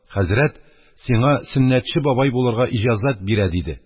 Хәзрәт: «Сиңа сөннәтче бабай булырга иҗазәт бирә», – диде.